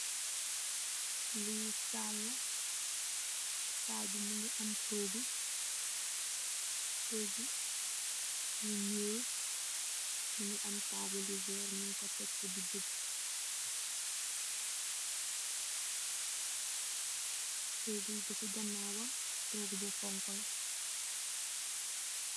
Lii saal la, saal bii mungy am tohgu, tohgu yu njull, mungy am taabul werr, njung kor tek c digi, tohgu bi c ganawam tohgu bu honha la.